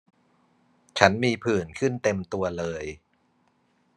ฉันมีผื่นขึ้นเต็มตัวเลย